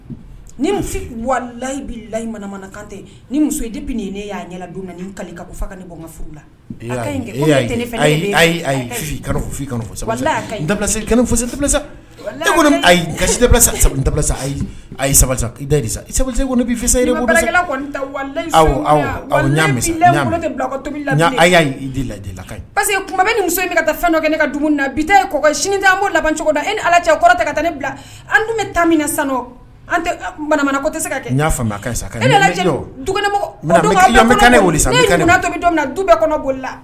Niyi layi kantɛ ni muso nin ne y'a ka furu sa ayi sa i laseke muso in ka taa fɛn dɔ ne ka na bi kɔ sini ma labancogo ni ala cɛ kɔrɔta ka taa ne bila an bɛ sa tɛ se ne sa du kɔnɔ boli la